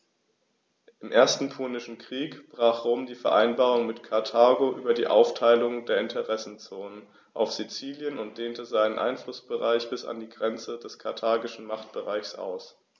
Im Ersten Punischen Krieg brach Rom die Vereinbarung mit Karthago über die Aufteilung der Interessenzonen auf Sizilien und dehnte seinen Einflussbereich bis an die Grenze des karthagischen Machtbereichs aus.